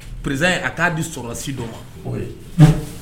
Président y'a in a t'ɛ di sɔrɔsi dɔ ma